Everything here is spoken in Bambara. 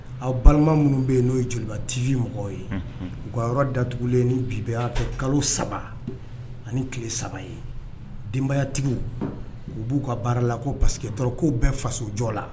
Aw balima minnu bɛ yen n'o ye joliba tfin mɔgɔw ye u ga yɔrɔ datugulen ni bibe kɛ kalo saba ani tile saba ye denbayatigiw u b'u ka baara la ko paseke dɔrɔn k ko bɛɛ faso jɔ la